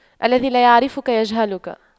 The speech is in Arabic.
الذي لا يعرفك يجهلك